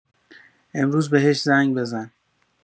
امروز بهش زنگ بزن.